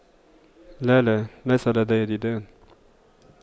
لا لا ليس لدي ديدان